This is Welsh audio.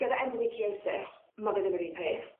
Gyda endometriosis ma' fe ddim yr un peth